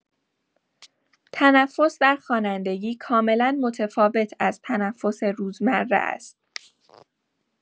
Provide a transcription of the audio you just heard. تنفس در خوانندگی کاملا متفاوت از تنفس روزمره است.